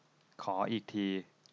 ขออีกที